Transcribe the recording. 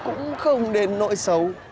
cũng không đến nỗi xấu